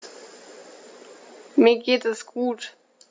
Mir geht es gut.